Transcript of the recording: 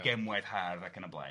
...a gemwaith hardd ac yn y blaen.